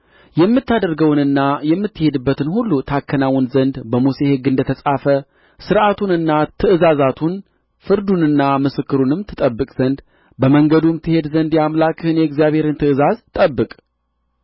የምታደርገውንና የምትሄድበትን ሁሉ ታከናውን ዘንድ በሙሴ ሕግ እንደ ተጻፈ ሥርዓቱንና ትእዛዛቱን ፍርዱንና ምስክሩንም ትጠብቅ ዘንድ በመንገዱም ትሄድ ዘንድ የአምላክህን የእግዚአብሔርን ትእዛዝ ጠብቅ